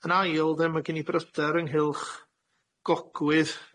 Yn ail 'de, ma' gen i bryder ynghylch gogwydd